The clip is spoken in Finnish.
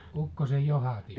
ukkosenjohdatin